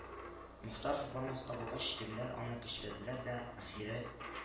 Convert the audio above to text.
Мохтаров бармаска булгач, тегеләр аны көчләделәр дә ахирел